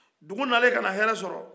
dugu nalen kana hɛɛrɛ sɔrɔ